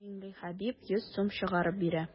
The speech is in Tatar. Миңлехәбиб йөз сум чыгарып бирә.